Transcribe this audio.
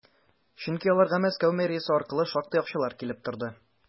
Чөнки аларга Мәскәү мэриясе аркылы шактый акчалар килеп торды.